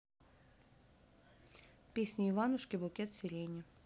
песня иванушки букет сирени